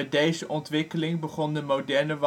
deze ontwikkeling begon de moderne